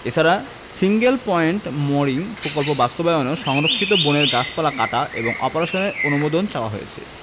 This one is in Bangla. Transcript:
এছাড়া সিঙ্গেল পয়েন্ট মোরিং প্রকল্প বাস্তবায়নেও সংরক্ষিত বনের গাছপালা কাটা এবং অপসারণের অনুমোদন চাওয়া হয়েছে